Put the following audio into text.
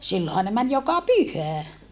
silloinhan ne meni joka pyhä